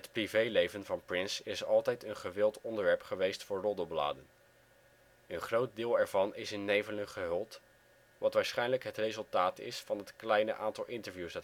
privéleven van Prince is altijd een gewild onderwerp geweest voor roddelbladen. Een groot deel ervan is in nevelen gehuld, wat waarschijnlijk het resultaat is van het kleine aantal interviews